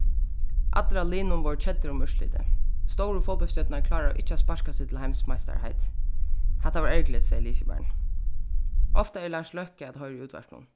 allir á liðnum vóru keddir um úrslitið stóru fótbóltsstjørnurnar kláraðu ikki at sparka seg til heimsmeistaraheitið hatta var ergiligt segði liðskiparin ofta er lars løkke at hoyra í útvarpinum